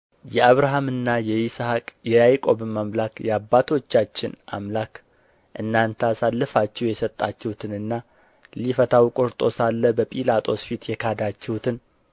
የአብርሀምና የይስሐቅ የያዕቆብም አምላክ የአባቶቻችን አምላክ እናንተ አሳልፋችሁ የሰጣችሁትንና ሊፈታው ቈርጦ ሳለ በጲላጦስ ፊት የካዳችሁትን